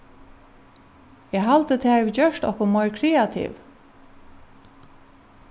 eg haldi tað hevur gjørt okkum meir kreativ